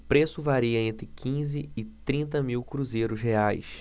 o preço varia entre quinze e trinta mil cruzeiros reais